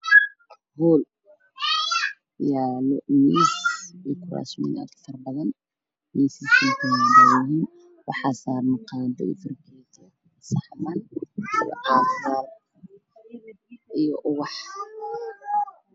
Waa hool waxaa yaalo miis kuraasman waxaa saaran saxmaan saaran tahay qaado dhulka waa caddaan darbiga waddan